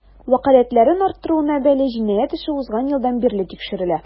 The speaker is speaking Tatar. Вәкаләтләрен арттыруына бәйле җинаять эше узган елдан бирле тикшерелә.